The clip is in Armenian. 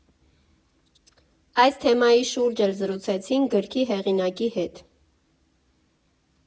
Այս թեմայի շուրջ էլ զրուցեցինք գրքի հեղինակի հետ։